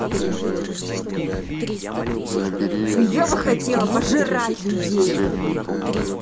а я бы хотела пожирать людей